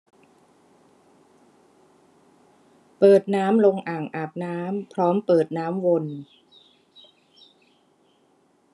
เปิดน้ำลงอ่างอาบน้ำพร้อมเปิดน้ำวน